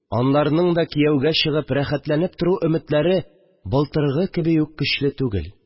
Анларның да кияүгә чыгып рәхәтләнеп тору өметләре былтыргы кеби үк көчле түгел